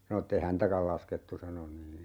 sanoi että ei häntäkään laskettu sanoi niin